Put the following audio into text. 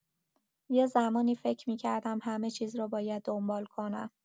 یه زمانی فکر می‌کردم همه‌چیز رو باید دنبال کنم.